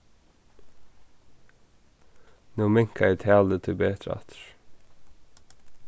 nú minkaði talið tíbetur aftur